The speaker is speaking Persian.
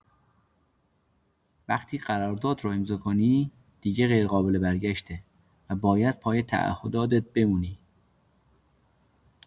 وقتی قرارداد رو امضا کنی، دیگه غیرقابل‌برگشته و باید پای تعهداتت بمونی.